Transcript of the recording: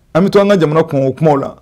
An bɛ to an ka jamana kungo o kumaw la